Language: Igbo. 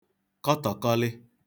kọtọkọlị